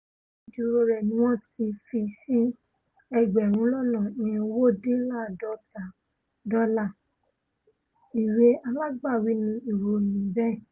Owó oníìdúró rẹ̀ ní wọ́n ti fi sí ẹgbẹ̀rún-lọ́ná-irinwódíńlá́àádọ́ta dọ́la, ìwé Advocate ní ́o ìròyìn bẹẹ,